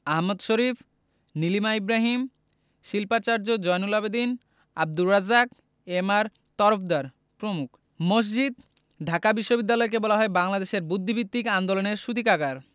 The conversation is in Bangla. আহমদ শরিফ নীলিমা ইব্রাহীম শিল্পাচার্য জয়নুল আবেদীন আবদুর রাজ্জাক এম.আর তরফদার প্রমুখ মসজিদ ঢাকা বিশ্ববিদ্যালয়কে বলা চলে বাংলাদেশের বুদ্ধিবৃত্তিক আন্দোলনের সূতিকাগার